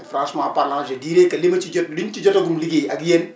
franchement parlant je dirai que li ma ci jot li ñu ci jotagum liggéey ak yéen